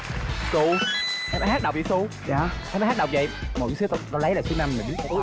trụ em ác động vậy xu em ác động vậy mỗi xếp tao lấy được số năm là biết